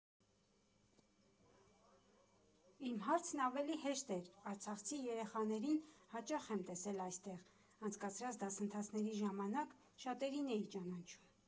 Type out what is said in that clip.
Իմ հարցն ավելի հեշտ էր, արցախցի երեխաներին հաճախ եմ տեսել այստեղ անցկացրած դասընթացների ժամանակ, շատերին էի ճանաչում։